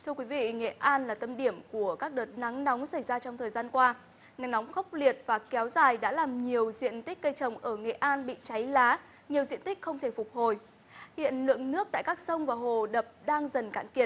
thưa quý vị nghệ an là tâm điểm của các đợt nắng nóng xảy ra trong thời gian qua nắng nóng khốc liệt và kéo dài đã làm nhiều diện tích cây trồng ở nghệ an bị cháy lá nhiều diện tích không thể phục hồi hiện lượng nước tại các sông và hồ đập đang dần cạn kiệt